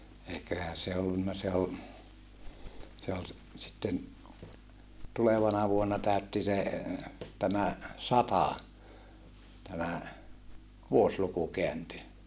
eiköhän se ollut se on se oli - sitten tulevana vuonna täytti se tämä sata tämä vuosiluku kääntyi